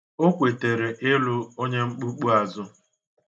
O kwetere ịlụ onye mkpukpu azụ